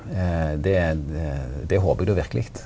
det det håper eg då verkeleg.